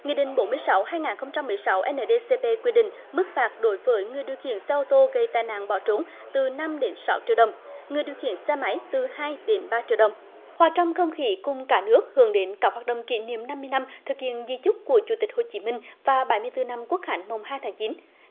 nghị định bốn sáu hai nghìn không trăm mười sáu en nờ xê pê quy định mức phạt đối với người điều khiển xe ô tô gây tai nạn bỏ trốn từ năm đến sáu triệu đồng người điều khiển xe máy từ hai đến ba triệu đồng hòa trong không khí cùng cả nước hướng đến các hoạt động kỷ niệm năm mươi năm thực hiện di chúc của chủ tịch hồ chí minh và bảy mươi tư năm quốc khánh mùng hai tháng chín